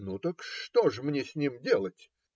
- Ну, так что ж мне с ним делать?